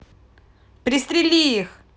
пристрели их